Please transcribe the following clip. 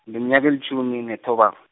ngineminyaka elitjhumi nethobako.